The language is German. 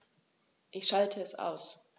Ich schalte es aus.